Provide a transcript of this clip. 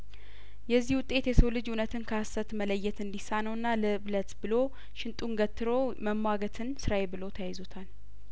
የዚህ ውጤት የሰው ልጅ እውነትን ከሀሰት መለየት እንዲ ሳነውና ለእብለት ብሎ ሽንጡን ገትሮ መሟገትን ስራዬ ብሎ ተያይዞታል